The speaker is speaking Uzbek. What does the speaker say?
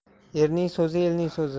erning so'zi elning so'zi